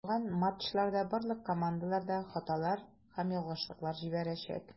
Калган матчларда барлык командалар да хаталар һәм ялгышлыклар җибәрәчәк.